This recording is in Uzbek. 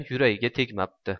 yuragiga tegmabdi